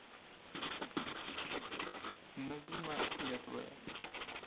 наzима я твоя